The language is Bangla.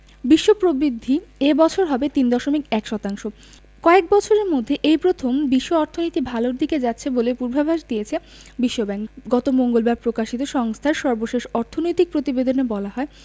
বিশ্ব প্রবৃদ্ধি এ বছর হবে ৩.১ শতাংশ কয়েক বছরের মধ্যে এই প্রথম বিশ্ব অর্থনীতি ভালোর দিকে যাচ্ছে বলে পূর্বাভাস দিয়েছে বিশ্বব্যাংক গত মঙ্গলবার প্রকাশিত সংস্থার সর্বশেষ অর্থনৈতিক প্রতিবেদনে বলা হয়